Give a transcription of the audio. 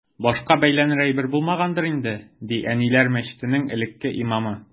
Башка бәйләнер әйбер булмагангадыр инде, ди “Әниләр” мәчетенең элекке имамы.